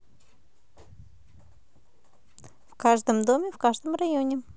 в каждом доме в каждом районе